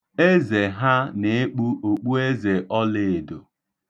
Eze ha na-ekpu okpueze ọleedo.